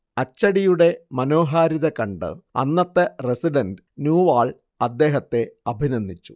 അച്ചടിയുടെ മനോഹാരിത കണ്ട് അന്നത്തെ റസിഡന്റ് നൂവാൾ അദ്ദേഹത്തെ അഭിനന്ദിച്ചു